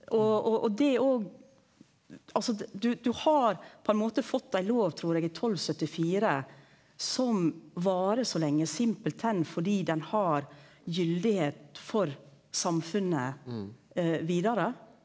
og og og det òg altså det du du har på ein måte fått ein lov trur eg i 1274 som varar så lenge rett og slett fordi den har gyldigheit for samfunnet vidare.